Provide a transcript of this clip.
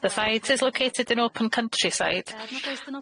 The site is located in open countryside.